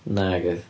Nagoedd.